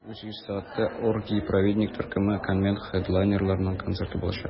Бүген 18 сәгатьтә "Оргии праведников" төркеме - конвент хедлайнерларының концерты булачак.